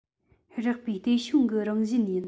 རེག པའི བལྟོས བྱུང གི རང བཞིན ཡིན